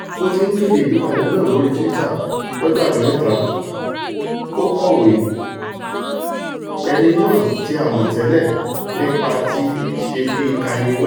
Bóti ńkéde ìyípadà náà lórí Twitter lọ́jọ́ Àbámẹ́ta, ó kọ̀wé: ''Ẹni náà tí a mọ̀ tẹ́lẹ̀ nípa ti iṣẹ́ bíi Kanye West.''